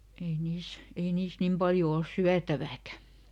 ei niissä ei niissä niin paljon ole syötävääkään